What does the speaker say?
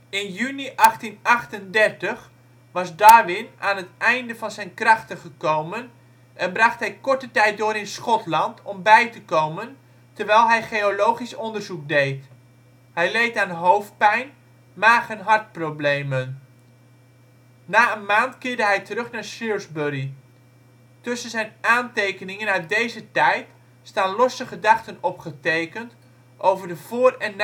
In juni 1838 was Darwin aan het einde van zijn krachten gekomen en bracht hij korte tijd door in Schotland om bij te komen terwijl hij geologisch onderzoek deed. Hij leed aan hoofdpijn, maag - en hartproblemen. Na een maand keerde hij terug naar Shrewsbury. Tussen zijn aantekeningen uit deze tijd staan losse gedachten opgetekend over de voor - en